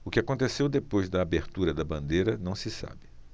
o que aconteceu depois da abertura da bandeira não se sabe